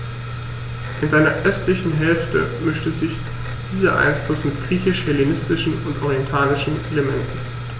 In seiner östlichen Hälfte mischte sich dieser Einfluss mit griechisch-hellenistischen und orientalischen Elementen.